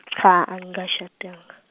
cha angikashadanga.